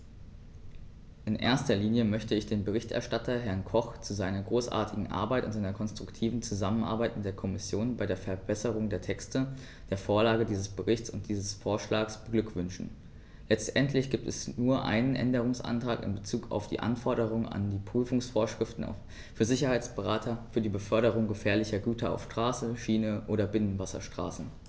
In erster Linie möchte ich den Berichterstatter, Herrn Koch, zu seiner großartigen Arbeit und seiner konstruktiven Zusammenarbeit mit der Kommission bei der Verbesserung der Texte, der Vorlage dieses Berichts und dieses Vorschlags beglückwünschen; letztendlich gibt es nur einen Änderungsantrag in bezug auf die Anforderungen an die Prüfungsvorschriften für Sicherheitsberater für die Beförderung gefährlicher Güter auf Straße, Schiene oder Binnenwasserstraßen.